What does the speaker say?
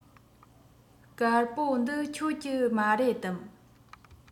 དཀར པོ འདི ཁྱོད ཀྱི མ རེད དམ